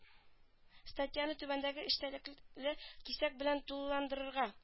Статьяны түбәндәге эчтәлекле кисәк белән тулыландырырга